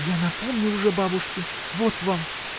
— Я напомню ужо бабушке: вот вам!